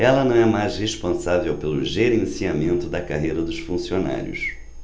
ela não é mais responsável pelo gerenciamento da carreira dos funcionários